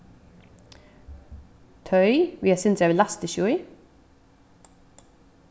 toy við eitt sindur av elastikki í